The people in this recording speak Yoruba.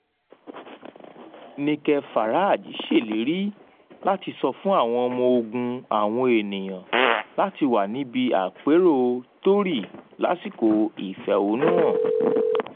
Nigel Farage ṣèlérí láti 'sọ fún àwọn ọmọ ogun àwọn ènìyàn láti wà' níbi àpérò Tory lásìkò ìfẹ̀honúhàn.